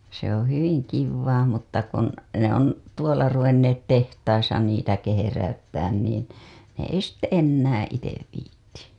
se on hyvin kivaa mutta kun ne on tuolla ruvenneet tehtaissa niitä kehräyttämään niin ne ei sitten enää itse viitsi